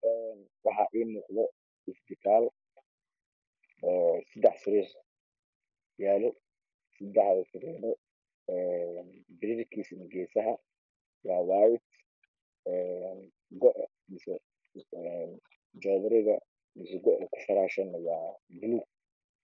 Waxaa ii muuqda isbitaal sadax sariir yaalo sadaxda sareero piro kaga dhagan gesaha waa cadiin joodariga goa ku firaashana wa